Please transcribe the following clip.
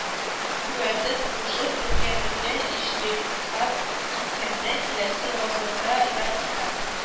Куәтен кушып, бергә-бергә иҗтиһат иткәндә, киләсе гасырда да китап